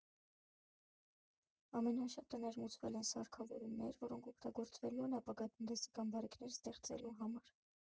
Ամենաշատը ներմուծվել են սարքավորումներ, որոնք օգտագործվելու են ապագա տնտեսական բարիքներ ստեղծելու համար։